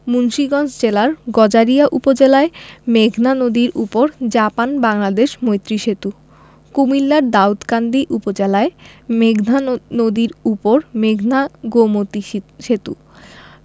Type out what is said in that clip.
মুন্সিগঞ্জ জেলার গজারিয়া উপজেলায় মেঘনা নদীর উপর জাপান বাংলাদেশ মৈত্রী সেতু কুমিল্লার দাউদকান্দি উপজেলায় মেঘনা নদীর উপর মেঘনা গোমতী সেতু